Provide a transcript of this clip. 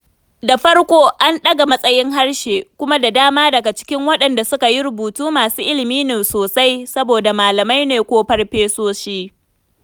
Da farko, an ɗaga matsayin harshen kuma da dama daga cikin waɗanda suka yi rubutu masu ilimi ne sosai saboda malamai ne ko farfesoshi.